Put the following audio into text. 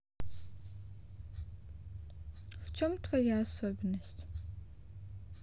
в чем твоя особенность